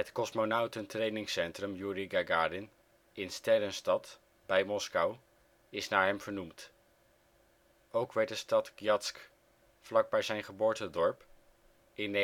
Kosmonautentrainingscentrum Joeri Gagarin in Sterrenstad bij Moskou is naar hem vernoemd. Ook werd de stad Gzjatsk, vlakbij zijn geboortedorp, in